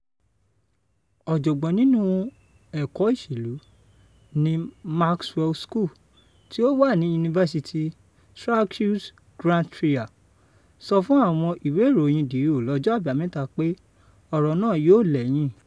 Ọ̀jọ̀gbọ́n nínú ẹ̀kọ́ ìṣèlú ní Maxwell School tí ó wà ní Yunifásítì Syracuse Grant Reheer ṣọ fún àwọn ìwé ìròyìn The Hill lọ́jọ́ Àbámẹ́ta pé ọ̀rọ̀ náà yóò lẹ́yìn.